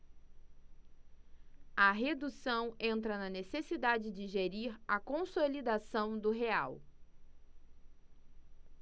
a redução entra na necessidade de gerir a consolidação do real